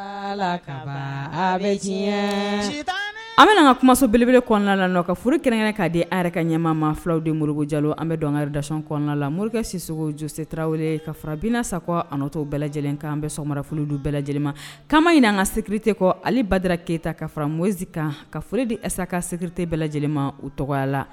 Kaba bɛ an bɛna ka kumaso bele kɔnɔna la nɔ ka furu kɛrɛn k'a di an yɛrɛ ɲɛmaa filaw de mori jalo an bɛ dɔnkaridati kɔnɔna la morikɛ siso jositew ye ka fara4na sa atɔ bɛɛ lajɛlen kan bɛ so marafolo dun bɛɛ lajɛlen kaana ɲin an ka sekite kɔ ale badara keyita ka fara msi kan ka foli dissa sete bɛɛ lajɛlenma u tɔgɔ la